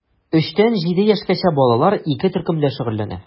3 тән 7 яшькәчә балалар ике төркемдә шөгыльләнә.